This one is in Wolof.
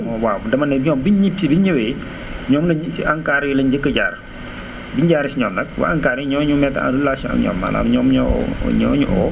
waaw dama ne ñoom biñ ñib see bi ñu ñëwee ñoom lañ si Enacr yi lañ njëkk a jaar bi ñu jaaree si ñoom nag waa ANCAR yi ñoo nekk en relation ak ñoom maanaam ñoom ñoo ñoo ñu woo